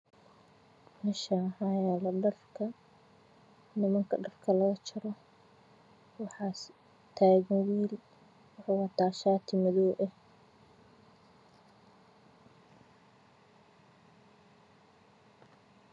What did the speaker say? Meeshaan waxaa yeelo dharka nimanka taagan shaati madow ah